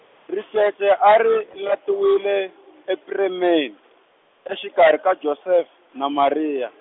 ricece a ri latiwile epremeni, exikarhi ka Josefa na Maria.